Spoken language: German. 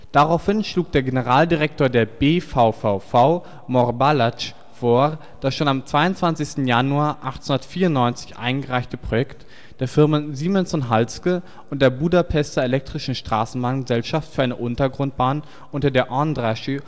Daraufhin schlug der Generaldirektor der BVVV Mór Balázs vor, das schon am 22. Januar 1894 eingereichte Projekt der Firmen Siemens & Halske und der Budapester Elektrischen Straßenbahngesellschaft für eine Untergrundbahn unter der Andrassy